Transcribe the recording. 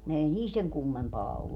ei niillä sen kummempaa ollut